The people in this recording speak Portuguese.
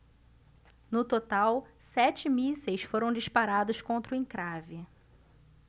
no total sete mísseis foram disparados contra o encrave